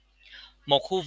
một khu